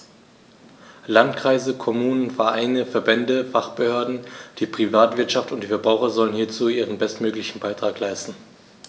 Landkreise, Kommunen, Vereine, Verbände, Fachbehörden, die Privatwirtschaft und die Verbraucher sollen hierzu ihren bestmöglichen Beitrag leisten.